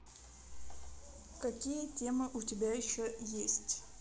какие темы у тебя еще есть